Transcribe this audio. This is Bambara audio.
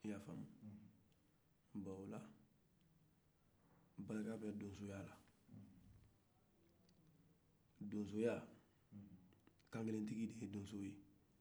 i y'a famu bon ola barika bɛ donsoya la donsoya kankelentigi de ye donso ye